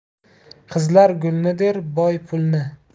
qizlar gulni der boy pulni